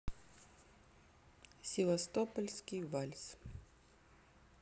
севастопольский вальс